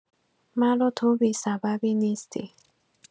مرا تو بی‌سببی نیستی.